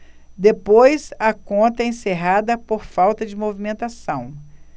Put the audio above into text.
depois a conta é encerrada por falta de movimentação